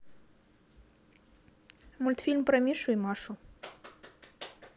мультфильм про мишу и машу